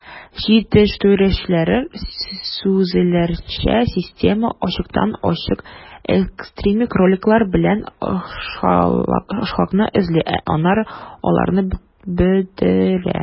Җитештерүчеләр сүзләренчә, система ачыктан-ачык экстремистик роликлар белән охшашлыкны эзли, ә аннары аларны бетерә.